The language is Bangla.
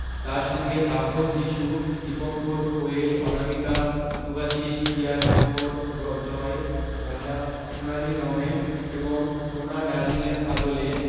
তার সঙ্গে তাপস যীশু দীপঙ্কর কোয়েল অনামিকা শুভাশিস পিয়া শঙ্কর জয় রাজা সোনালী রমেন এবং মোনা ডারলিংয়ের আদলে